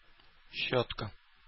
Щетка